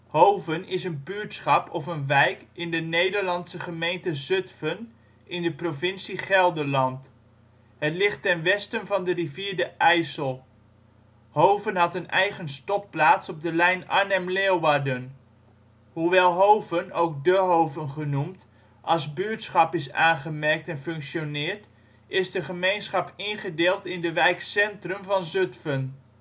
Hoven is een buurtschap of een wijk in de Nederlandse gemeente Zutphen in de provincie Gelderland. Het ligt ten westen van de rivier de IJssel. Hoven had een eigen stopplaats op de lijn Arnhem - Leeuwarden. Hoewel Hoven (ook De Hoven genoemd) als buurtschap is aangemerkt en functioneert is de gemeenschap ingedeeld in de wijk Centrum van Zutphen